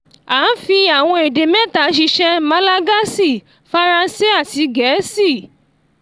À ń fi àwọn èdè mẹ́ta ṣiṣẹ́: Malagasy, Faransé, àti Gẹ̀ẹ́sì.